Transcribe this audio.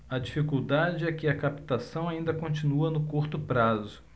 a dificuldade é que a captação ainda continua no curto prazo